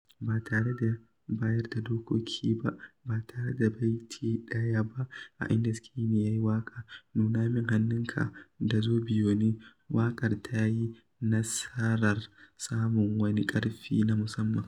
Ba tare da bayar da dokoki ba (ba tare da baiti ɗaya ba a inda Skinny ya yi waƙa "nuna min hannunka" da "zo biyo ni"), waƙar ta yi nasarar samun wani ƙarfi na musamman.